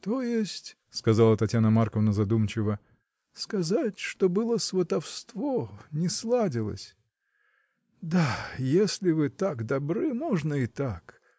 — То есть, — сказала Татьяна Марковна задумчиво, — сказать, что было сватовство, не сладилось. Да! если вы так добры. можно и так.